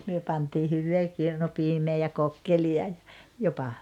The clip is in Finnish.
me pantiin hyvää kirnupiimää ja kokkelia ja jopa